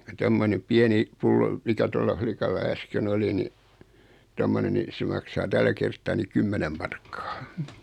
kun tuommoinen pieni pullo mikä tuolla likalla äsken oli niin tuommoinen niin se maksaa tällä kertaa niin kymmenen markkaa